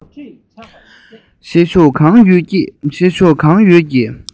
ཤེད ཤུགས གང ཡོད ཀྱིས